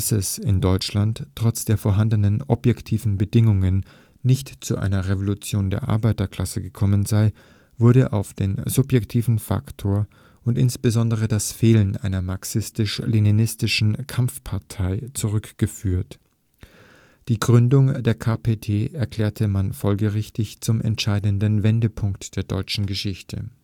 es in Deutschland trotz der „ vorhandenen objektiven Bedingungen “nicht zu einer Revolution der Arbeiterklasse gekommen sei, wurde auf den „ subjektiven Faktor “und insbesondere das Fehlen einer „ marxistisch-leninistischen Kampfpartei “zurückgeführt. Die Gründung der KPD erklärte man folgerichtig zum entscheidenden Wendepunkt der deutschen Geschichte